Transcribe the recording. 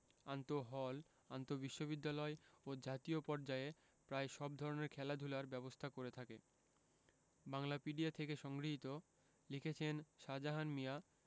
আন্তঃহল আন্তঃবিশ্ববিদ্যালয় ও জাতীয় পর্যায়ে প্রায় সব ধরনের খেলাধুলার ব্যবস্থা করে থাকে বাংলাপিডিয়া থেকে সংগৃহীত লিখেছেনঃ সাজাহান মিয়া